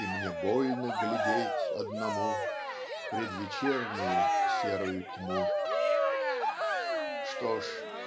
И мне больно глядеть одному В предвечернюю серую тьму. . Что ж!